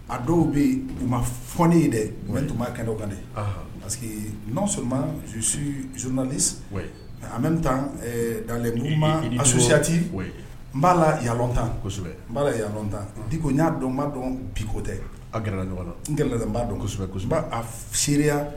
A dɔw bɛ yen ma fɔ ye dɛ o tun' kɛnɛ parce que sɔrɔ masu z an bɛ bɛ taa dalen ayati n b'a la yaa tansɛbɛ n b'a la yaa tanko n y'a dɔn b'a dɔn biko tɛ a gla ɲɔgɔn n n'a dɔnsɛbɛsɛbɛ a seya